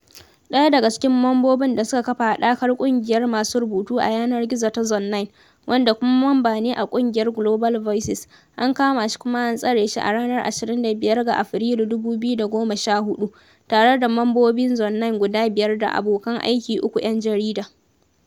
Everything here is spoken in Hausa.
Ɗaya daga cikin mambobin da suka kafa haɗakar ƙungiyar masu rubutu a yanar gizo ta Zone9, wanda kuma mamba ne ƙungiyar Global Voices, an kama shi kuma an tsare shi a ranar 25 ga Afrilun 2014, tare da mambobin Zone9 guda biyar daabokan aiki uku ‘yan jarida.